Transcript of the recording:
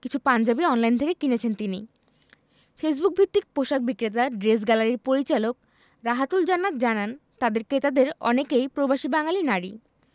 কিছু পাঞ্জাবি অনলাইন থেকে কিনেছেন তিনি ফেসবুকভিত্তিক পোশাক বিক্রেতা ড্রেস গ্যালারির পরিচালকরাহাতুল জান্নাত জানান তাঁদের ক্রেতাদের অনেকেই প্রবাসী বাঙালি নারী